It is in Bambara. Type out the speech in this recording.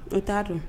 N t'a dɔn